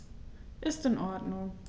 Ist in Ordnung.